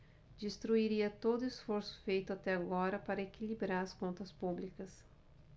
destruiria todo esforço feito até agora para equilibrar as contas públicas